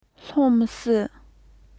ལྷུང མི སྲིད